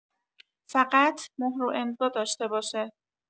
فقط مهر و امضا داشته باشه